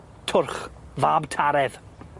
Twrch, fab Taredd.